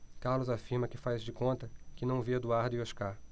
carlos afirma que faz de conta que não vê eduardo e oscar